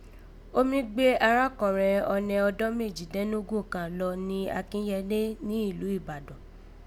Omi gbé arákọ̀nrẹn ọnẹ ọdọ́n méjìdẹ́nnogún kàn lọ ni Àkinyẹlé ni ìlú Ìbàdàn